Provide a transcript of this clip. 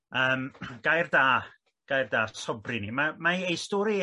yym gair da gair da sobri ni ma- mae ei stori ef